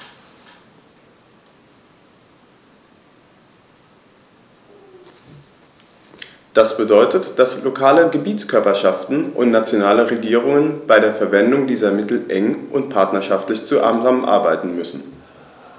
Das bedeutet, dass lokale Gebietskörperschaften und nationale Regierungen bei der Verwendung dieser Mittel eng und partnerschaftlich zusammenarbeiten müssen.